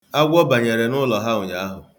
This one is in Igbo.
Agwọ banyere n'ụlọ ha ụnyaahụ